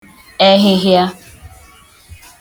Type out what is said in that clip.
ehịhịa